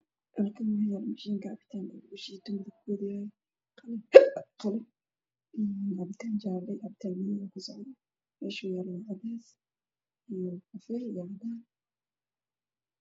Meeshan waxaa yaalla mooshinka lagu sheegatay